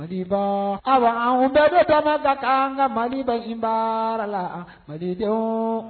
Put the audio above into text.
Maria aw an bɛɛ dɔ dama la an ka mali baji baara la manden dɔn